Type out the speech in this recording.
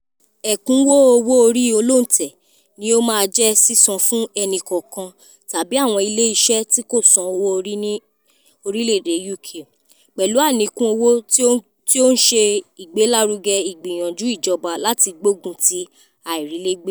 Ẹ̀kúnwó owó orí olóǹtẹ̀ ní ó máa jẹ́ sísan fún ẹnìkọ̀ọ̀kan tàbí àwọn ile iṣẹ́ tí kò san owó orí ní UK, pẹ̀lú àníkún owó tí ó ń ṣe ìgbélárugẹ ìgbìyànjú ìjọba láti gbogun ti àìrílégbé.